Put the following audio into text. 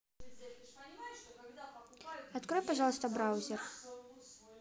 открой пожалуйста браузер